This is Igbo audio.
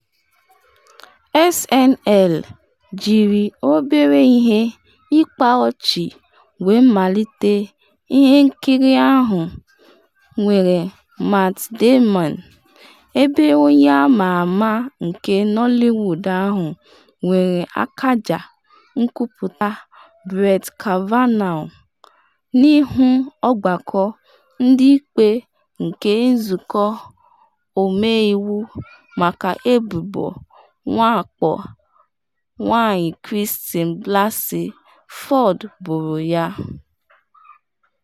SNL jiri obere ihe ịkpa ọchị wee malite ihe nkiri ahụ nwere Matt Damon, ebe onye ama ama nke Hollywood ahụ mere akaja nkwuputa Brett Kavanaugh n’ihu Ọgbakọ Ndị Ikpe nke Nzụkọ Ọmeiwu maka ebubo mwakpo nwanyị Christine Blasey Ford boro ya.